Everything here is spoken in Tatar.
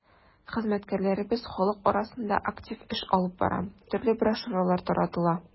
Хезмәткәрләребез халык арасында актив эш алып бара, төрле брошюралар таратыла.